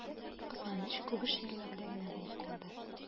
Кызганыч, күп эшләр вәгъдә генә булып калды.